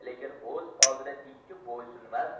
lekin o'z oldida ikki bo'ysunmas